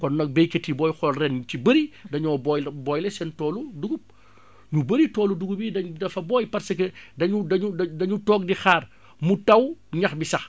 kon nag baykat yi booy xool ren ñu ci bari dañoo booylo booyle seen toolu dugub ñu bari toolu dugub yi dañ dafa booy parce que dañu dañu dañu dañu toog di xaar mu taw ñax bi sax